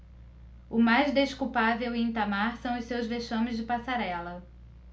o mais desculpável em itamar são os seus vexames de passarela